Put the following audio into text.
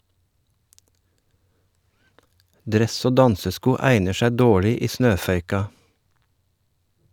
Dress og dansesko egner seg dårlig i snøføyka.